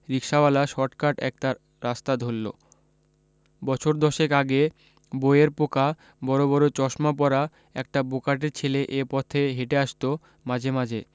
রিকসাওয়ালা shortcut একটা রাস্তা ধরল বছরদশেক আগে বৈয়ের পোকা বড়বড় চশমা পড়া একটা বোকাটে ছেলে এ পথে হেঁটে আসতো মাঝে মাঝে